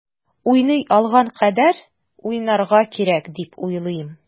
Уйный алган кадәр уйнарга кирәк дип уйлыйм.